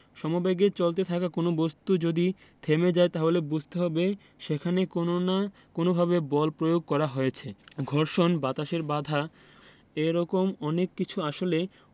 সমবেগে চলতে থাকা কোনো বস্তু যদি থেমে যায় তাহলে বুঝতে হবে সেখানে কোনো না কোনোভাবে বল প্রয়োগ করা হয়েছে ঘর্ষণ বাতাসের বাধা এ রকম অনেক কিছু আসলে